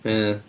Ia.